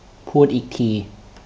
พูดอีกที